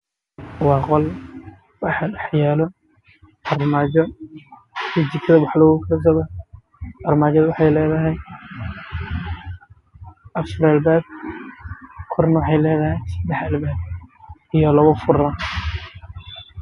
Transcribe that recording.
Waa qol waxaa dhaxyaalo armaajo